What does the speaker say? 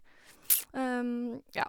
Ja.